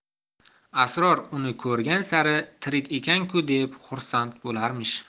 asror uni ko'rgan sari tirik ekan ku deb xursand bo'larmish